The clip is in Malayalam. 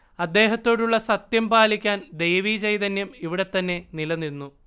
അദ്ദേഹത്തോടുള്ള സത്യം പാലിക്കാൻ ദേവിചൈതന്യം ഇവിടെത്തന്നെ നിലനിന്നു